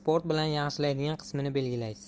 sport bilan yaxshilaydigan qismini belgilaysiz